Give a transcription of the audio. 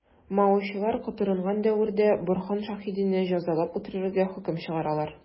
Маочылар котырынган дәвердә Борһан Шәһидине җәзалап үтерергә хөкем чыгаралар.